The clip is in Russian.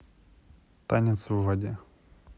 танец в воде